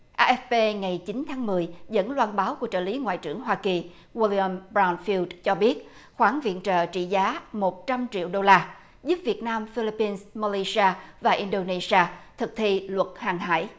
a ép bê ngày chín tháng mười dẫn loan báo của trợ lý ngoại trưởng hoa kỳ goa ri on bao phiu cho biết khoản viện trợ trị giá một trăm triệu đô la giúp việt nam phi líp bin ma lây si a và in đô nê si a thực thi luật hàng hải